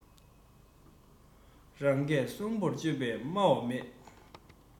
རང སྐད སྲོང པོར བརྗོད པའི སྨྲ བ མེད